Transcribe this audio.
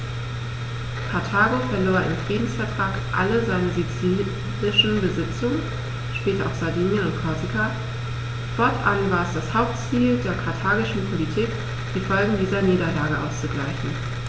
Karthago verlor im Friedensvertrag alle seine sizilischen Besitzungen (später auch Sardinien und Korsika); fortan war es das Hauptziel der karthagischen Politik, die Folgen dieser Niederlage auszugleichen.